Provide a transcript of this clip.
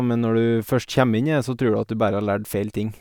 Men når du først kjem inn i det så tror du at du bærre har lært feil ting.